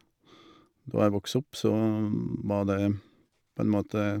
Da jeg vokste opp, så var det på en måte...